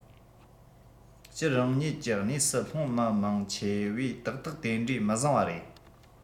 སྤྱིར རང ཉིད གི གནས སུ ལྷུང མི མང ཆེ བས ཏག ཏག དེ འདྲའི མི བཟང བ རེད